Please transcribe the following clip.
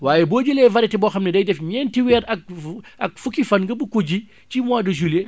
waaye boo jëlee variété boo xam ne day def ñenti weer ak fukki fan nga bugg ko ji ci mois de juillet